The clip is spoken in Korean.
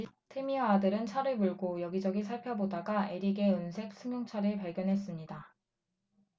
태미와 아들은 차를 몰고 여기 저기 살펴보다가 에릭의 은색 승용차를 발견했습니다